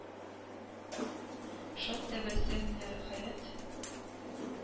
Шат тәбәссемле хәят?..